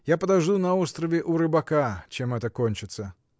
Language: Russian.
Я подожду на острове у рыбака, чем это кончится.